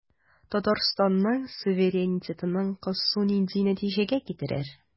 Татарстанның суверенитетын кысу нинди нәтиҗәгә китерер?